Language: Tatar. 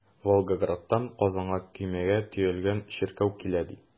Волгоградтан Казанга көймәгә төялгән чиркәү килә, ди.